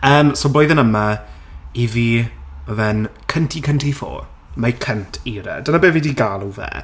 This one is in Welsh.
Yym, so blwyddyn yma i fi ma' fe'n cunty cunty four. My cunt era. Dyna be fi 'di galw fe.